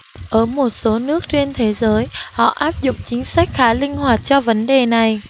ở một số nước trên thế giới họ áp dụng chính sách khá linh hoạt cho vấn đề này